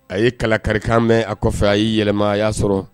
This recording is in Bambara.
A ye kala karikan mɛ a kɔfɛ a y'i yɛlɛma a y'a sɔrɔ